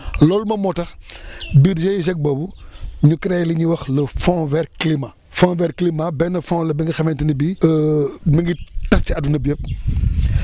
loolu moom moo tax biir GIGAC boobu ñu créé li ñuy wax le fond vers climat fond vers climat benn fond la bi nga xamante ni bii mi ngi tas ci àdduna bi yëpp